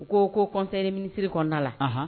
U ko ko kɔn minisiriri kɔnda la